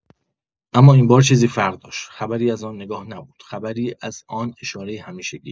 اما این‌بار چیزی فرق داشت، خبری از آن نگاه نبود، خبری از آن اشارۀ همیشگی.